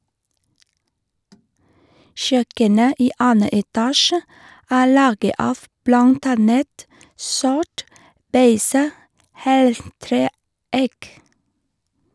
Kjøkkenet i annen etasje er laget av blant annet sort, beiset heltre eik.